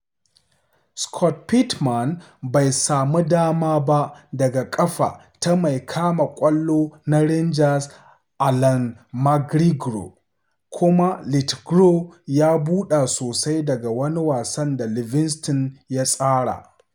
Scott Pittman bai samu dama ba daga ƙafa ta mai kama ƙwallo na Rangers Allan McGregor kuma Lithgow ya buɗa sosai daga wani wasan da Livingston ya tsara.